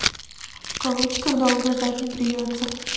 в кавычках долго ждать не придется